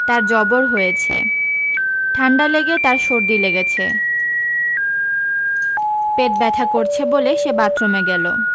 তার জবর হয়েছে ঠান্ডা লেগে তার সর্দি লেগেছে পেট ব্যাথা করছে বলে সে বাথরুমে গেল